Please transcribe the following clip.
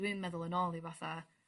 Dwi'n meddwl yn ôl i fatha